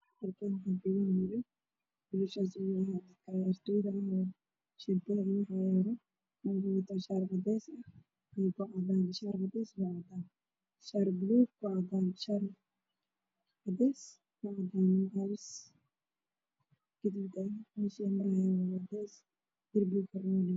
Waa niman saf ku jiraan oo dhar cadaan kor ugu xiran yihiin waana dowladdii kacaanka